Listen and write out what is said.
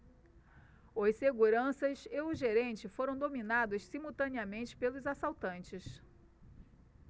os seguranças e o gerente foram dominados simultaneamente pelos assaltantes